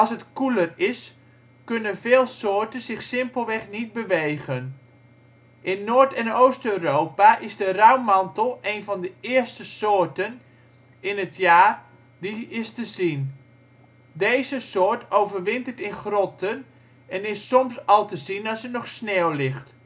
het koeler is kunnen veel soorten zich simpelweg niet bewegen. In Noord - en Oost-Europa is de rouwmantel een van de eerste soorten in het jaar die is te zien. Deze soort overwintert in grotten en is soms al te zien als er nog sneeuw ligt